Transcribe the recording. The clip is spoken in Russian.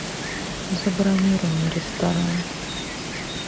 забронируй мне ресторан